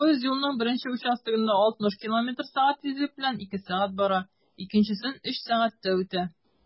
Поезд юлның беренче участогында 60 км/сәг тизлек белән 2 сәг. бара, икенчесен 3 сәгатьтә үтә.